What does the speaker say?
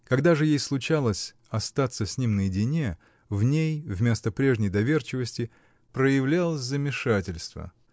Когда же ей случалось остаться с ним наедине, в ней, вместо прежней доверчивости, проявлялось замешательство